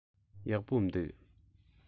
ཡག པོ འདུག